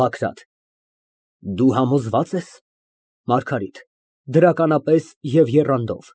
ԲԱԳՐԱՏ ֊ Դու համոզվա՞ծ ես։ ՄԱՐԳԱՐԻՏ ֊ (Դրականապես և եռանդով)